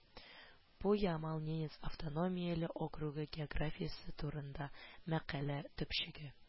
Бу Ямал-Ненец автономияле округы географиясе турында мәкалә төпчеге